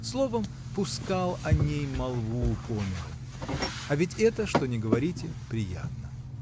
словом, пускал о ней молву по миру, -- а ведь это, что ни говорите, приятно.